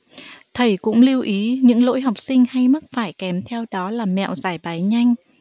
thầy cũng lưu ý những lỗi học sinh hay mắc phải kèm theo đó là mẹo giải bài nhanh